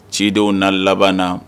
Cidenw na laban na